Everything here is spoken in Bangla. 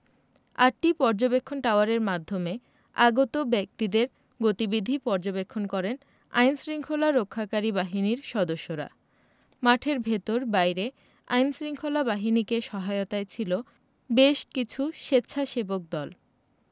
আটটি পর্যবেক্ষণ টাওয়ারের মাধ্যমে আগত ব্যক্তিদের গতিবিধি পর্যবেক্ষণ করেন আইনশৃঙ্খলা রক্ষাকারী বাহিনীর সদস্যরা মাঠের ভেতর বাইরে আইনশৃঙ্খলা বাহিনীকে সহায়তায় ছিল বেশ কিছু স্বেচ্ছাসেবক দল